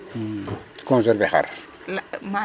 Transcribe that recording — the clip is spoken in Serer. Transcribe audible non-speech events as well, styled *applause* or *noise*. *hesitation* *hesitation* conservation xar?